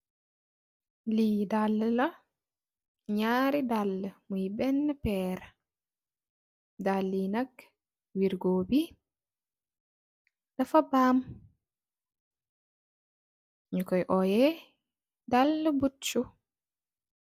Li daala la naari daala moi bena perr daala yi nak wergo bi dafa mpam nyu koi oyeh daali budsu.